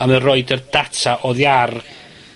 a mae o roid y data oddi ar